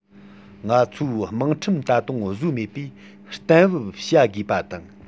ང ཚོའི དམངས ཁྲིམས ད དུང བཟོས མེད པས གཏན འབེབས བྱ དགོས པ དང